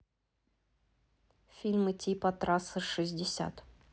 фильмы типа трассы шестьдесят